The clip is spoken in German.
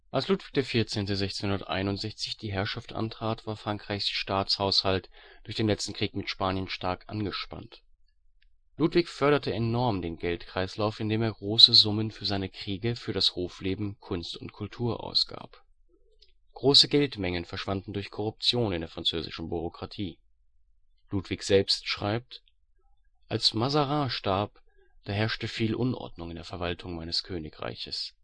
Als Ludwig XIV. 1661 die Herrschaft antrat, war Frankreichs Staatshaushalt durch den letzten Krieg mit Spanien stark angespannt. Ludwig förderte enorm den Geldkreislauf, indem er große Summen für seine Kriege, für das Hofleben, Kunst und Kultur ausgab. Große Geldmengen verschwanden durch Korruption in der französischen Bürokratie. Ludwig selbst schreibt: „ Als Mazarin starb, da herrschte viel Unordnung in der Verwaltung meines Königreiches